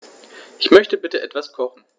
Ich möchte bitte etwas kochen.